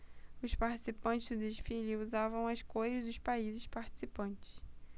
os participantes do desfile usavam as cores dos países participantes